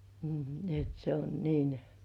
mm niin että se on niin